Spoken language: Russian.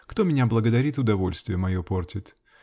Кто меня благодарит -- удовольствие мое портит.